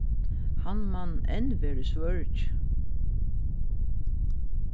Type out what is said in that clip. hann man enn vera í svøríki